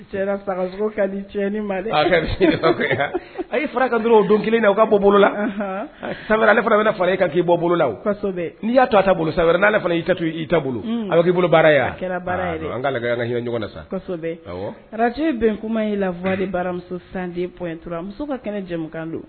A fara ka o don kelen na u ka bɔ bolola samara ale fana bɛ fara e ka bɔ bolola n'i y yaa ta bolo saba wɛrɛ n'ale y' to i bolo k' bolo sa arati bɛn kuma ye lafɔ baramuso sanden muso ka kɛnɛ jamana don